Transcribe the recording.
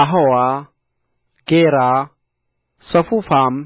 አሖዋ ጌራ ሰፉፋም